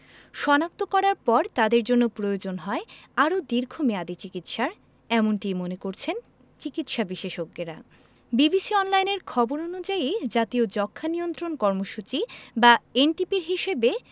শনাক্ত করার পর তাদের জন্য প্রয়োজন হয় আরও দীর্ঘমেয়াদি চিকিৎসার এমনটিই মনে করছেন চিকিৎসাবিশেষজ্ঞেরা বিবিসি অনলাইনের খবর অনুযায়ী জাতীয় যক্ষ্মা নিয়ন্ত্রণ কর্মসূচি বা এনটিপির হিসেবে